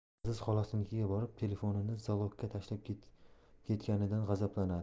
aziz xolasinikiga borib telefonini zalog ga tashlab ketganidan g'azablanadi